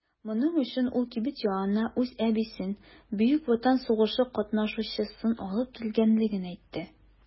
Моның өчен ул кибет янына үз әбисен - Бөек Ватан сугышы катнашучысын алып килгәнлеген әйтте.